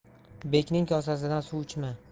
bekning kosasidan suv ichma